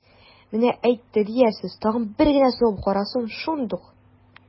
Менә әйтте диярсез, тагын бер генә сугып карасын, шундук...